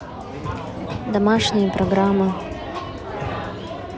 домашние программы